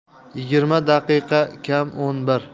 yigirma daqiqa kam o'n bir